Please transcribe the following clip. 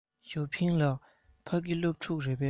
ཞའོ ཧྥུང ལགས ཕ གི སློབ ཕྲུག རེད པས